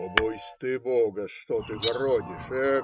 - Побойся ты бога, что ты городишь!